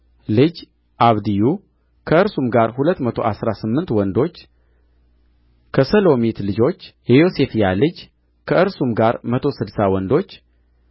ልጅ አብድዩ ከእርሱም ጋር ሁለት መቶ አሥራ ስምንት ወንዶች ከሰሎሚት ልጆች የዮሲፍያ ልጅ ከእርሱም ጋር መቶ ስድሳ ወንዶች